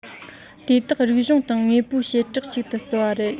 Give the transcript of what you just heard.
དེ དག རིག གཞུང སྟེང དངོས པོའི བྱེད བྲག གཅིག ཏུ བརྩི བ རེད